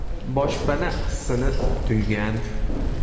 boshpana hissini tuygan